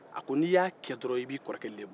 n'i y'a kɛ dɔrɔn i b'i kɔrɔkɛ lebu